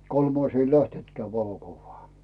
kolmas ei lähtenytkään valokuvaan